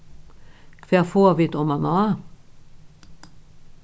hvat fáa vit omaná